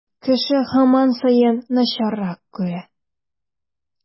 Кеше һаман саен начаррак күрә.